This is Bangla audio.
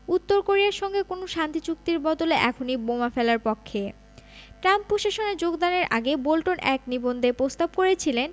উত্তর কোরিয়ার সঙ্গে কোনো শান্তি চুক্তির বদলে এখনই বোমা ফেলার পক্ষে ট্রাম্প প্রশাসনে যোগদানের আগে বোল্টন এক নিবন্ধে প্রস্তাব করেছিলেন